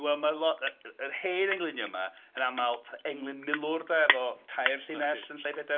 Wel mae lo- yr hen englynion 'ma yn aml fatha englyn milwr 'de efo tair llinell yn lle pedair.